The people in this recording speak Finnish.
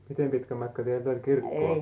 miten pitkä matka teiltä oli kirkkoon